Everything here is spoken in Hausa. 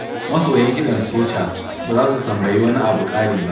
Masoyan kiɗan soca ba za su tambayi wani abu ƙari ba.